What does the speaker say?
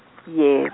ye-.